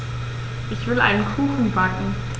Ich will einen Kuchen backen.